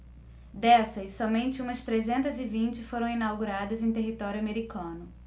dessas somente umas trezentas e vinte foram inauguradas em território americano